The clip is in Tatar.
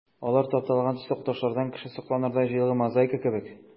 Алар тапталган төсле ташлардан кеше сокланырдай җыелган мозаика кебек.